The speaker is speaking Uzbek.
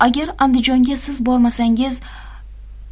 agar andijonga siz bormasangiz